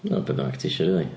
O beth bynnag ti isio rili.